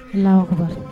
Ala